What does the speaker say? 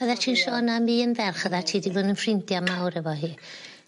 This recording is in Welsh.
Odde ti'n sôn am un ferch odde ti 'di bod yn ffrindia mawr efo hi.